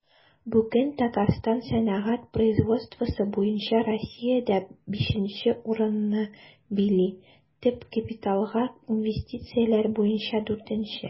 Бүген Татарстан сәнәгать производствосы буенча Россиядә 5 нче урынны били, төп капиталга инвестицияләр буенча 4 нче.